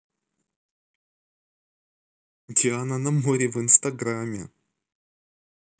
диана на море в инстаграме